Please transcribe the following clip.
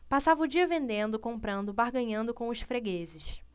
passava o dia vendendo comprando barganhando com os fregueses